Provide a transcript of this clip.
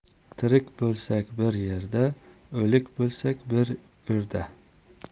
tirik bo'lsak bir yerda o'lik bo'lsak bir go'rda